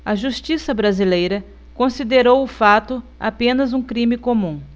a justiça brasileira considerou o fato apenas um crime comum